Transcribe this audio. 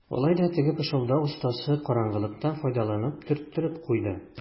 Алай да теге пышылдау остасы караңгылыктан файдаланып төрттереп куйды.